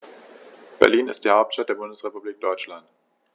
Berlin ist die Hauptstadt der Bundesrepublik Deutschland.